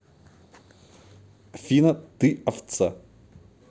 афина ты овца